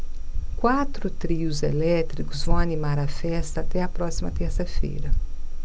quatro trios elétricos vão animar a festa até a próxima terça-feira